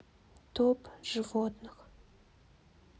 топ животных